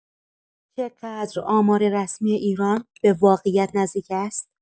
چقدر آمار رسمی ایران به واقعیت نزدیک است؟